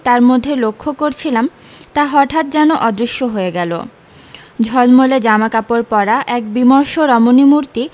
তার মধ্যে লক্ষ্য করছিলাম তা হঠাত যেন অদৃশ্য হয়ে গেলো ঝলমলে জামাকাপড় পরা এক বিমর্ষ রমণীমূর্তী